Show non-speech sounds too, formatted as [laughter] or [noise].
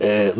[hesitation] [hesitation]